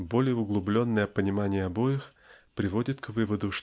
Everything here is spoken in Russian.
более углубленное понимание обоих приводит к выводу